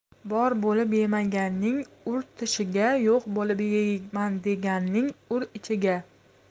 bor bo'lib yemaganning ur tishiga yo'q bo'lib yeyman deganning ur ichiga